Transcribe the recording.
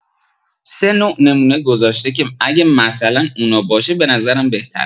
سه نوع نمونه گذاشته که اگه مثه اونا باشه به نظرم بهتره